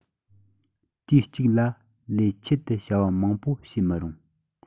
དུས གཅིག ལ ལས ཆེད དུ བྱ བ མང པོ བྱེད མི རུང